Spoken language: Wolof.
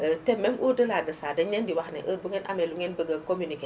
te même au delà de ça dañu leen di wax ne heure bu ngeen amee lu ngeen bëgg a communiqué